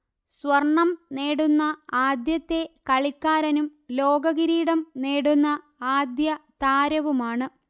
സ്വർണം നേടുന്ന ആദ്യത്തെ കളിക്കാരനും ലോകകിരീടം നേടുന്ന ആദ്യ താരവുമാണ്